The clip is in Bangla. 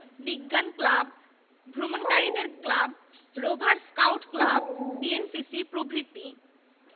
ব্যবসায় অনুষদে ব্যবসায় প্রশাসন সম্পর্কিত পাঠদান করা হয় কৃষি এবং খনিজ বিজ্ঞান অনুষদে আছে বন বিভাগ